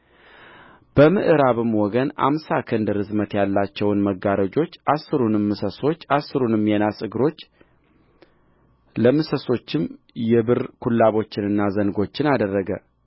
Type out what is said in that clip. በምዕራብም ወገን አምሳ ክንድ ርዝመት ያላቸውን መጋረጆች አሥሩንም ምሰሶች አሥሩንም የናስ እግሮች ለምሰሶቹም የብር ኩላቦችንና ዘንጎችን አደረገ